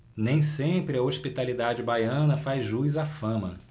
nem sempre a hospitalidade baiana faz jus à fama